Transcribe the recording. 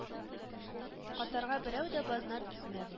Катарга берәү дә базнат итмәде